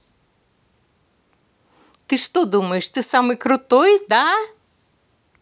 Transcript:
ты что думаешь самый крутой да